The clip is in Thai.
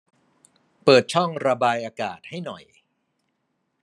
เปิดช่องระบายอากาศให้หน่อย